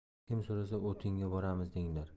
kim so'rasa o'tinga boramiz denglar